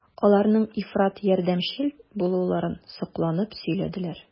Аларның ифрат ярдәмчел булуларын сокланып сөйләделәр.